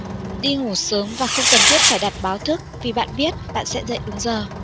đi ngủ sớm và không cần thiết phải đặt báo thức vì bạn biết bạn sẽ dậy đúng giờ